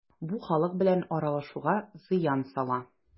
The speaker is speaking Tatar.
Бу халык белән аралашуга зыян сала.